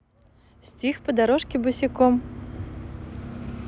стих по дорожке босиком